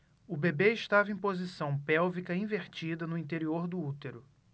o bebê estava em posição pélvica invertida no interior do útero